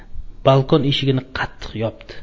balkon eshigini qattiq yopdi